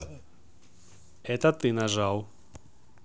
это ты нажал